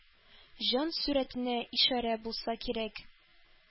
Җан сурәтенә ишарә булса кирәк...